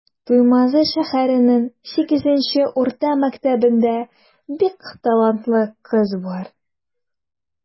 Туймазы шәһәренең 7 нче урта мәктәбендә бик талантлы кыз бар.